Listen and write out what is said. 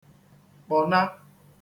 kpọ̀na